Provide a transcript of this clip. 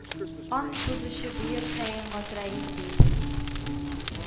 «ант бозучы бөек хаин газраил!» дип